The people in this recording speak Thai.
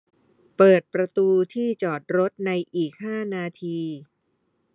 เปิดประตูที่จอดรถในอีกห้านาที